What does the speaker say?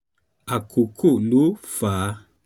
Àkókò ló fà á